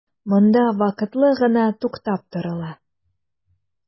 Монда вакытлы гына туктап торыла.